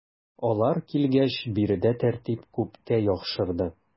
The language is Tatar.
Алар килгәч биредә тәртип күпкә яхшырды.